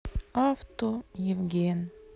авто евген